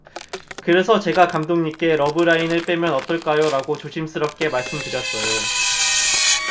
그래서 제가 감독님께 러브라인을 빼면 어떨까요라고 조심스럽게 말씀드렸어요